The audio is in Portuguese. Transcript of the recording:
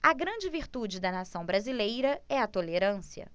a grande virtude da nação brasileira é a tolerância